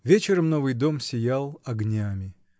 Вечером новый дом сиял огнями.